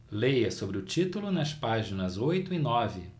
leia sobre o título nas páginas oito e nove